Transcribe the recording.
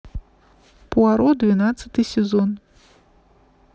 пуаро двенадцатый сезон